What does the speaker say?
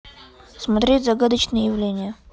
смотреть загадочные явления